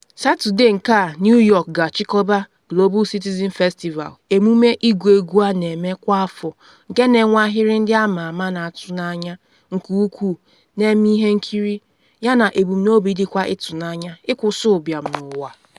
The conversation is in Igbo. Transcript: Satọde nke a New York ga-achịkọba Global Citizen Festival, emume ịgụ egwu a na-eme kwa afọ nke na-enwe ahịrị ndị ama ama na-atụ n’anya nke ukwuu na-eme ihe nkiri, yana ebumnobi dịkwa ịtụnanya; ịkwụsị ụbịam n’ụwa.